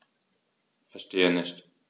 Verstehe nicht.